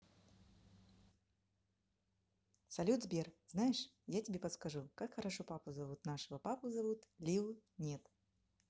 салют сбер знаешь я тебе подскажу как хорошо папу зовут нашего папу зовут lil нет